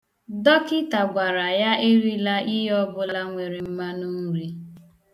Dọkịta gwara ya erila ihe ọbụla nwere mmanụnri.